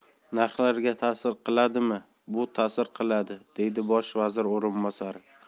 narxlarga ta'sir qiladimi bu ta'sir qiladi deydi bosh vazir o'rinbosari